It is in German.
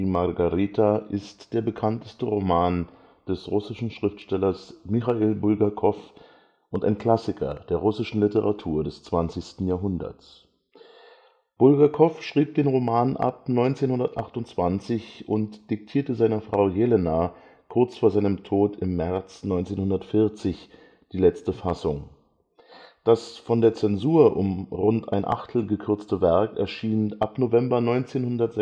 Margarita) ist der bekannteste Roman des russischen Schriftstellers Michail Bulgakow und ein Klassiker der russischen Literatur des 20. Jahrhunderts. Bulgakow schrieb den Roman ab 1928 und diktierte seiner Frau Jelena kurz vor seinem Tod im März 1940 die letzte Fassung. Das von der Zensur um rund ein Achtel gekürzte Werk erschien ab November 1966